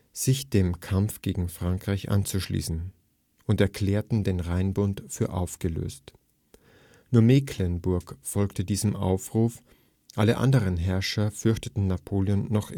sich dem Kampf gegen Frankreich anzuschließen, und erklärten den Rheinbund für aufgelöst. Nur Mecklenburg folgte diesem Aufruf, alle anderen Herrscher fürchteten Napoleon noch